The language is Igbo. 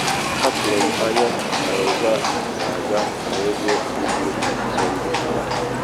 Atụrụ anya na Rosa ga-aga n’ebe ugwu na Sọnde.